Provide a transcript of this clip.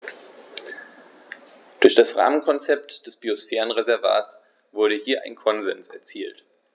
Durch das Rahmenkonzept des Biosphärenreservates wurde hier ein Konsens erzielt.